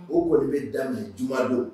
O kɔni bɛ daminɛ juma don